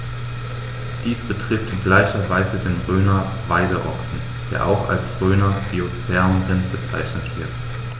Dies betrifft in gleicher Weise den Rhöner Weideochsen, der auch als Rhöner Biosphärenrind bezeichnet wird.